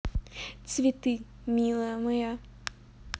цветы милая моя